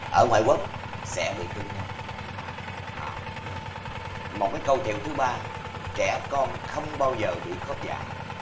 ở ngoại quốc sẽ bị cứng khớp đó một cái câu thiệu thứ ba trẻ còn không bao giờ bị khớp giả